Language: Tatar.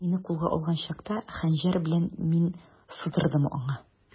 Мине кулга алган чакта, хәнҗәр белән мин сыдырдым аңа.